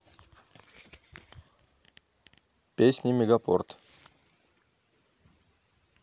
песня мегапорт